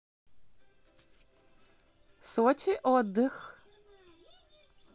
сочи отдых